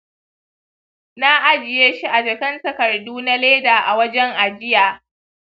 na ajiye shi a jakan takardu na leda a wajen ajiya.